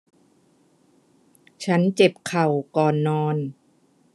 ฉันเจ็บเข่าก่อนนอน